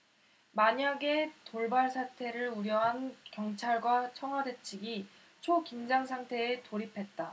만약의 돌발 사태를 우려한 경찰과 청와대 측이 초긴장상태에 돌입했다